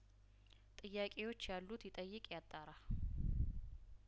ጥያቄዎች ያሉት ይጠይቅ ያጣራ